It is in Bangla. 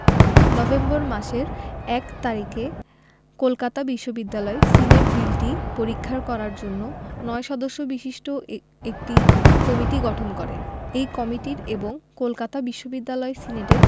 নভেম্বর মাসের ১ তারিখে কলকাতা বিশ্ববিদ্যালয় সিনেট বিলটি পরীক্ষা করার জন্য ৯ সদস্য বিশিষ্ট একটি কমিটি গঠন করে এই কমিটির এবং কলকাতা বিশ্ববিদ্যালয় সিনেটের